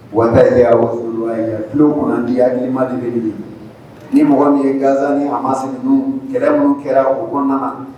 Wa sɔrɔ fi fana di' hakililimadeele de ni m ni ye ganzni a mas ninnu kɛlɛ ninnu kɛra u kɔnɔna na